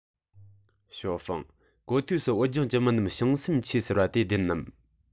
ཞའོ ཧྥུང གོ ཐོས སུ བོད ལྗོངས ཀྱི མི རྣམས བྱང སེམས ཆེ ཟེར བ དེ བདེན ནམ